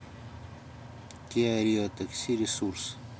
киа рио такси ресурс